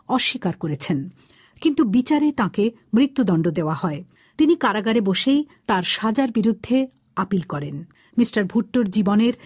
অস্বীকার করেছেন কিন্তু বিচারে তাকে মৃত্যুদণ্ড দেয়া হয় তিনি কারাগারে বসেই তার সাজার বিরুদ্ধে আপিল করেন মিস্টার ভুট্টোর জীবনের